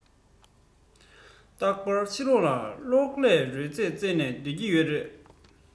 རྟག པར ཕྱི ལོག ལ གློག ཀླད རོལ རྩེད རྩེད ནས སྡོད ཀྱི ཡོད རེད